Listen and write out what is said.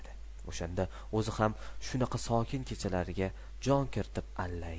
o'shanda o'zi ham shunaqa sokin kechalarga jon kiritib alla aytadi